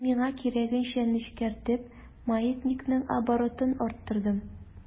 Миңа кирәгенчә нечкәртеп, маятникның оборотын арттырдым.